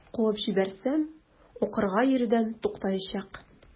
Куып җибәрсәм, укырга йөрүдән туктаячак.